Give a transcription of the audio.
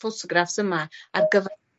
ffotograffs yma ar gyfy-